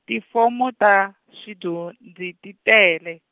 tifomo ta swidyondzi ti tele.